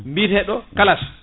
biteɗo kalas